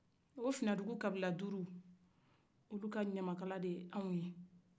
o fina dugu kabila duru olu ka ɲamakala de ye ne ye